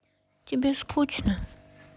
тебе скучно